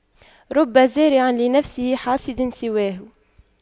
رب زارع لنفسه حاصد سواه